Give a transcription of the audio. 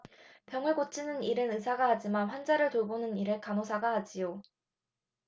병을 고치는 일은 의사가 하지만 환자를 돌보는 일은 간호사가 하지요